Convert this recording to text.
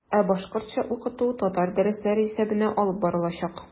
Ә башкортча укыту татар дәресләре исәбенә алып барылачак.